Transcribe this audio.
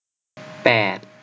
แปด